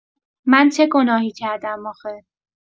من چه گناهی کردم آخه؟